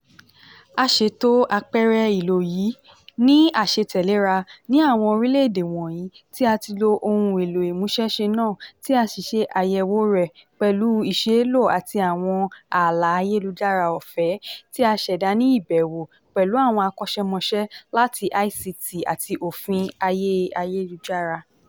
A ṣètò àpẹẹrẹ ìlò ní àṣetẹ̀léra ní àwọn orílẹ̀-èdè wọ̀nyìí tí a ti lo ohun èlò ìmúṣẹ́ṣe náà tí a sì ṣe àyẹ̀wò rẹ̀ pẹ̀lú ìṣeélò àti àwọn ààlà ayélujára ọ̀fẹ́ tí a ṣẹ̀dá ní ìbẹ̀wò pẹ̀lú àwọn akọ́ṣẹ́mọṣẹ́ láti ICT àti òfin ayé ayélujára.